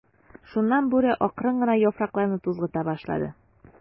Шуннан Бүре акрын гына яфракларны тузгыта башлады.